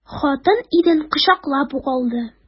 Хатын ирен кочаклап ук алды.